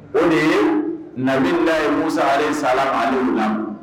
O de ye nabili ye musare sala ani na